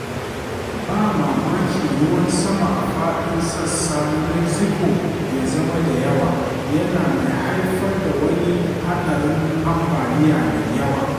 Ba mamaki ruwan sama a faɗin sassa na Mexico ya zama da yawa, yana mai haifar da wani haɗarin ambaliya mai yawa.